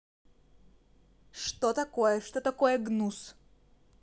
что такое что такое гнус